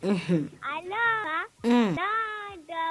Ala sa